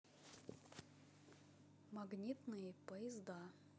магнитные поезда